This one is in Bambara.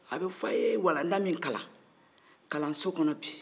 a bɛ fɔ